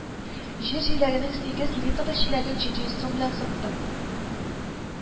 Җир җиләгенең сигез литрлы чиләген җиде йөз сум белән саттым